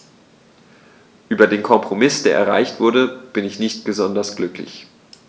Über den Kompromiss, der erreicht wurde, bin ich nicht besonders glücklich.